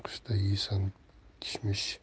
qishda yeysan kishmish